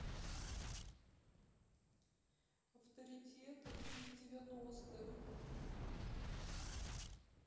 авторитеты из девяностых